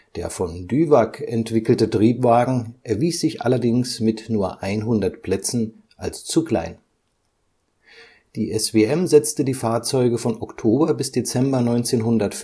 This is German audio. Der von DUEWAG entwickelte Triebwagen erwies sich allerdings mit nur 100 Plätzen als zu klein. Die SWM setzte die Fahrzeuge von Oktober bis Dezember 1985